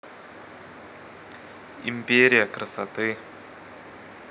империя красоты